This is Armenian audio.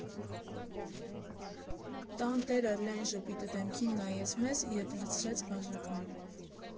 Տան տերը լայն ժպիտը դեմքին նայեց մեզ և լցրեց բաժակները։